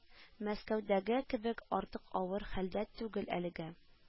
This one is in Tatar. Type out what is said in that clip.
Мәскәүдәге кебек артык авыр хәлдә түгел әлегә